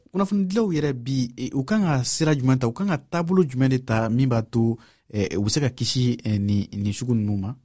kunnafonidilaw yɛrɛ bi u ka kan ka sira jumɛn ta u ka kan ka taabolo jumɛn de ta min b'a to u bɛ se ka kisi nin sugu ninnu ma